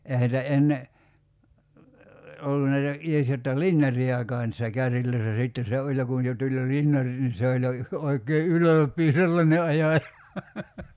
eihän niitä ennen ollut näitä edes jotta linjareitakaan niissä kärryissä sitten se oli ja kun jo tuli jo linjarit niin se oli jo oikein ylpeä sellainen ajaja